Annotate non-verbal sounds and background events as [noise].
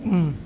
[hesitation] [hesitation]